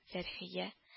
Фәрхия